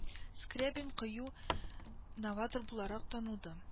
Скрябин кыю новатор буларак танылды